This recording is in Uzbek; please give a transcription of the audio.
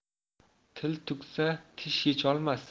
til tugsa tish yecholmas